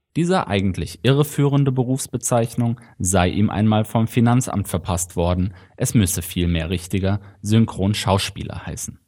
Diese eigentlich irreführende Berufsbezeichnung sei ihm einmal vom Finanzamt verpasst worden, es müsse vielmehr richtiger „ Synchronschauspieler “heißen